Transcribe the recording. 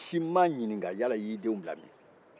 mɔgɔ si m'a ɲinika yalɔ i y'e denw bila min